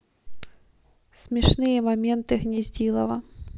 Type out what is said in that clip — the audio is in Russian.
смешные моменты гнездилова